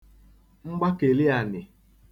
mgbakeliànị̀